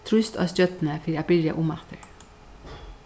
trýst á stjørnu fyri at byrja umaftur